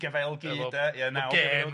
Gafaelgi... Efo... ...de ia naw .